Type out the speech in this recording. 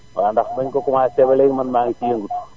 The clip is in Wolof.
waaw ndax bañu ko commencé ba léegi man maa ngi ciy yëngu